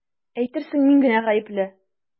Әйтерсең мин генә гаепле!